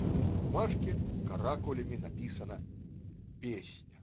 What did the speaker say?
На бумажке каракулями написана "Песня".